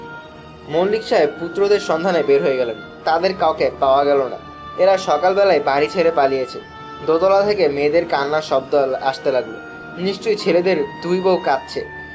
মল্লিক সাহেব পুত্রদের সন্ধানে বের হয়ে গেলেন তাদের কাউকে পাওয়া গেল না এরা সকালবেলাই বাড়ি ছেড়ে পালিয়েছে দোতলা থেকে মেয়েদের কান্নার শব্দ আসতে লাগল নিশ্চয়ই ছেলেদের দুই বউ কাঁদছে